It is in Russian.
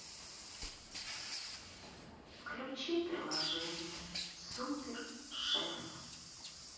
включи приложение супершеф